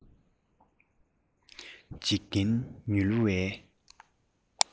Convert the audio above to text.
འཇིག རྟེན ཉུལ བའི